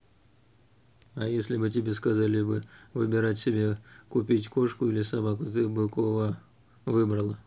а если бы тебе сказали бы выбирать себе купить кошку или собаку ты быкова выбрала